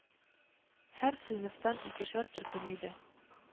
Һәр сыйныфтан икешәр төркем иде